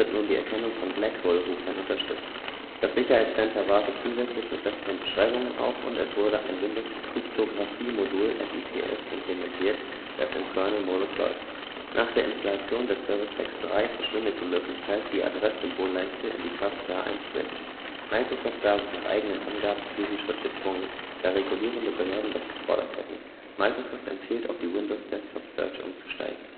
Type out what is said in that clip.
nun die Erkennung von „ Black-Hole “- Routern unterstützt. Das Sicherheits-Center wartet zusätzlich mit besseren Beschreibungen auf und es wurde ein Windows-Kryptographie-Modul (FIPS) implementiert, das im Kernel-Modus läuft. Nach der Installation des Service Pack 3 verschwindet die Möglichkeit, die Adress-Symbolleiste in die Taskbar einzubinden. Microsoft sah sich nach eigenen Angaben zu diesem Schritt gezwungen, da regulierende Behörden das gefordert hätten. Microsoft empfiehlt, auf die Windows Desktop Search umzusteigen